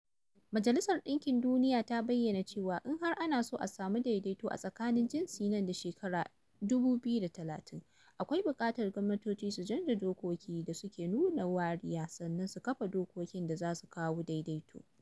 Majalisar ɗinkin Duniya ta bayyana cewa in har ana so a samar da daidaito a tsakanin jinsi nan da shekarar 2030, akwai buƙatar gwamnatoci su chanja dokoki da suke nuna wariya sannan su kafa dokokin da za su kawo daidaito.